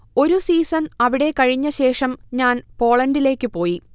ഒരു സീസൺ അവിടെ കഴിഞ്ഞശേഷം ഞാൻ പോളണ്ടിലേയ്ക്ക് പോയി